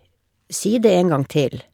Si det en gang til.